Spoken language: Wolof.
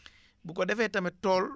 bu ko defee tamit tool